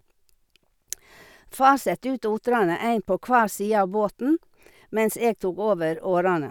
Far satte ut otrene, en på kvar side av båten, mens jeg tok over årene.